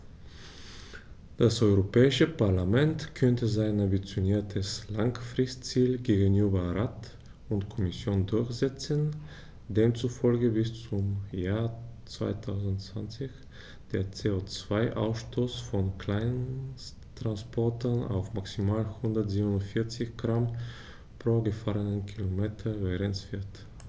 Das Europäische Parlament konnte sein ambitioniertes Langfristziel gegenüber Rat und Kommission durchsetzen, demzufolge bis zum Jahr 2020 der CO2-Ausstoß von Kleinsttransportern auf maximal 147 Gramm pro gefahrenem Kilometer begrenzt wird.